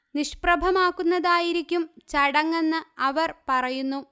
നിഷ്പ്രഭമാക്കുന്നതായിരിക്കും ചടങ്ങെന്ന് അവര് പറയുന്നു